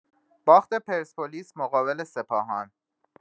باخت پرسپولیس مقابل سپاهان